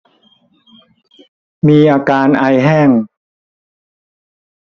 มีอาการไอแห้ง